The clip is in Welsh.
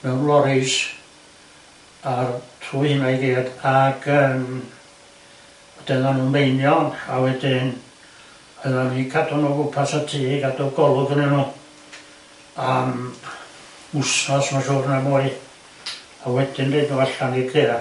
Mewn loris ar- trwy hynna i gyd ag yym wedyn o'ddan n'w'n meinio a wedyn o'ddan ni'n cadw n'w gwmpas y tŷ i gadw golwg annyn n'w am wsnos ma'n siŵr ne mwy a wedyn roid nhw allan i'r caeau.